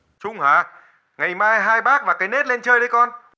trung hả ngày mai hai bác và cái nết lên chơi đấy con